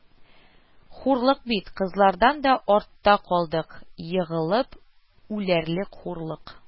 Хурлык бит, кызлардан да артта калдык, егылып үләрлек хурлык